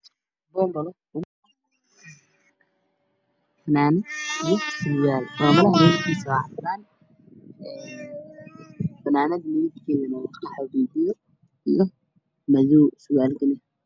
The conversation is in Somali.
Waa boonbale funaanad io surwaal boonbalaha midabkiisuna waa cadaan funaanada midabkedu waa qaxwi io cadaan surwalkana madow